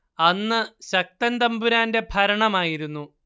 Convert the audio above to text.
അന്ന് ശക്തൻ തമ്പുരാന്റെ ഭരണമായിരുന്നു